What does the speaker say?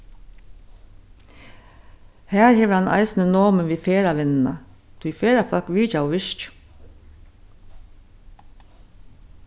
har hevur hann eisini nomið við ferðavinnuna tí ferðafólk vitjaðu virkið